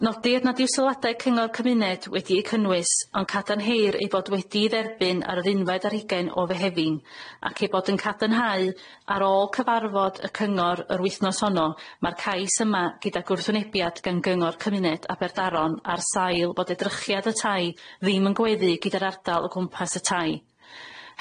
Nodir nad yw sylwadau cyngor cymuned wedi'u cynnwys ond cadarnheir ei fod wedi'i dderbyn ar yr unfed ar hugain o Fehefin ac eu bod yn cadarnhau ar ôl cyfarfod y cyngor yr wythnos honno ma'r cais yma gyda gwrthwynebiad gan gyngor cymuned Aberdaron ar sail bod edrychiad y tai ddim yn gweddu gyda'r ardal o gwmpas y tai.